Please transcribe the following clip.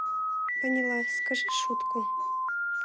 поняла скажи шутку